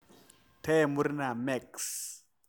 Taya murna MEX